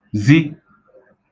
-zi